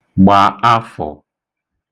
gbà afọ̀